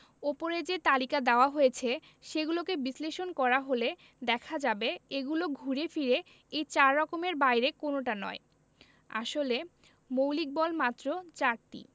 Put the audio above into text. ওপরে যে তালিকা দেওয়া হয়েছে সেগুলোকে বিশ্লেষণ করা হলে দেখা যাবে এগুলো ঘুরে ফিরে এই চার রকমের বাইরে কোনোটা নয় আসলে মৌলিক বল মাত্র চারটি